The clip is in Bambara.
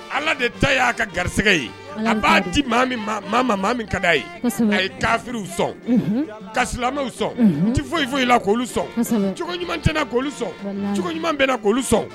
Ala de da y'a ka garisɛgɛ ye a b'a di min ka'a ye a ye tafiriw sɔn galaw sɔn ti foyi foyila sɔn cogo ɲuman bɛ ko sɔn cogo ɲuman bɛ' sɔn